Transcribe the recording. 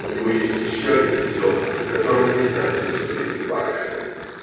У него есть еще один резон, которого нельзя объяснить этим барышням.